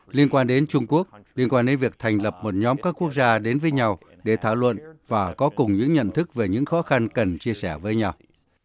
liên quan đến trung quốc liên quan đến việc thành lập một nhóm các quốc gia đến với nhau để thảo luận và có cùng những nhận thức về những khó khăn cần chia sẻ với nhau